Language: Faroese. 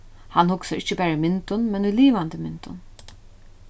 hann hugsar ikki bara í myndum men í livandi myndum